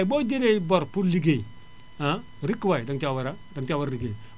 waaye boo jëlee bor pour ligéey rek waay danga caa war a danga caa war a ligéey